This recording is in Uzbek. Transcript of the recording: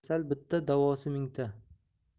kasal bitta davosi mingta